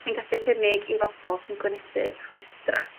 yn gallu cynnig i bobol sy'n gwynebu rhwystra'?